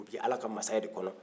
o bɛ ala ka masaya de kɔnɔ